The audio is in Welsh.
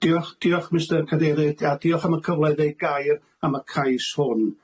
Ia diolch diolch Mistyr Cadeirydd a diolch am y cyfle i ddeud gair am y cais hwn.